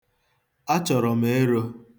Achọrọ m ero.